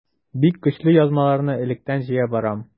Бик көчле язмаларны электән җыя барам.